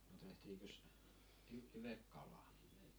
no tehtiinkös - livekalaa